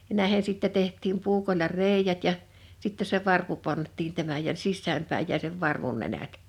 ja näihin sitten tehtiin puukolla reiät ja sitten se varpu pantiin tämän ja sisään päin jäi sen varvun nenät